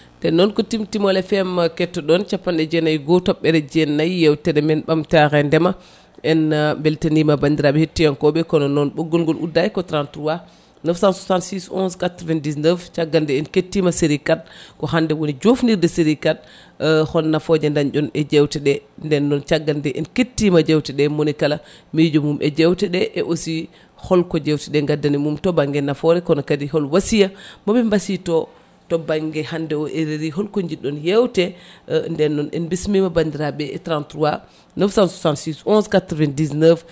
nden noon ko Timtimol FM kettoɗon capanɗe jeenayyi e goho toɓɓere jeenayyi yewtere men ɓamtare ndeema en beltanima bandiraɓe hettiyankoɓe kono noon ɓoggol ngol uddaki ko 33 966 11 99 caggal nde en kettima série 4 ko hande woni jofnirde série 4%e hol nafoje dañƴon e jewteɗe nden caggal nde en kettima jewteɗe monikala mijo mum e jewteɗe e aussi holko jewteɗe gandani mun to banggue nafoore kono kadi hol wasiya moɓe mbasiyto to banggue hande o RRI holko jiɗɗon yewte nden noon en mbismima bandiraɓe e 33 966 11 99